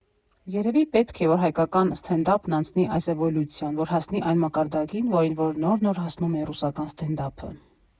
Երևի պետք է, որ հայկական սթենդափն անցնի այս էվոլյուցիան, որ հասնի այն մակարդակին, որին որ նոր֊նոր հասնում է ռուսական սթենդափը։